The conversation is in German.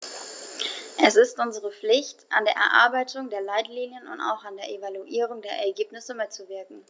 Es ist unsere Pflicht, an der Erarbeitung der Leitlinien und auch an der Evaluierung der Ergebnisse mitzuwirken.